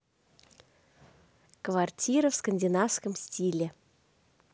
квартира в скандинавском стиле